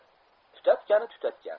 tutatgani tutatgan